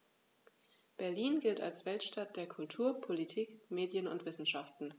Berlin gilt als Weltstadt der Kultur, Politik, Medien und Wissenschaften.